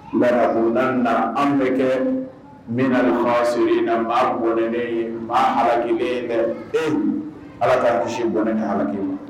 Mɛ ko na an bɛ kɛ bɛnaso in na n' bɔnɛnen n' alaki ala k kaa kisisi bɔnɛ haki